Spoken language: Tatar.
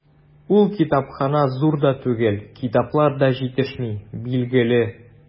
Ул китапханә зур да түгел, китаплар да җитешми, билгеле.